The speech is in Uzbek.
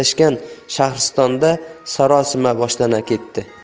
kattalashgan shahristonda sarosima boshlangan edi